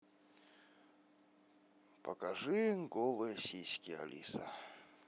покажи голые сиськи алиса